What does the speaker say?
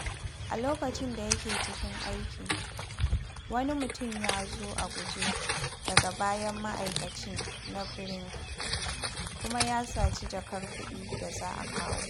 A lokacin da yake cikin aiki, wani mutum “ya zo a guje daga bayan ma’aikacin na Brink” kuma ya saci jakar kuɗi da za a kawo.